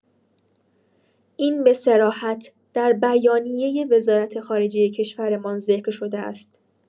این به صراحت در بیانیه وزارت‌خارجه کشورمان ذکر شده است.